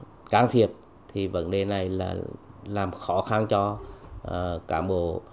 can thiệp thì vấn đề này là làm khó khăn cho à cán bộ